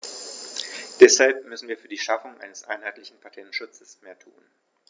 Deshalb müssen wir für die Schaffung eines einheitlichen Patentschutzes mehr tun.